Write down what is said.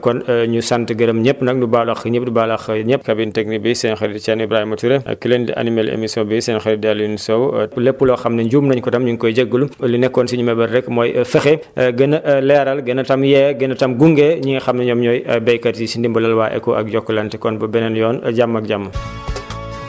kon ñu sant gërëm ñëpp nag ñu baalu àq ñëpp di baal àq ñëpp cabine technique bi seen xarit Cheikh Ibrahima Touré ak ki leen di animé émission bi seen xarit di Alioune Sow lépp loo xam ne juum naénu ko tam ñu ngi koy jégalu li nekkoon suénu mbébét rek mooy fexe gën a leeral gën a tam yee gën a tam gunge éni nga xam ne énoom énooy béykat yi si ndimbalal waa ECHO ak Jokalante kon ba beneen yoon jàmm ak jàmm